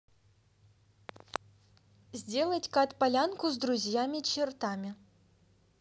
сделать cut полянку с друзьями чертами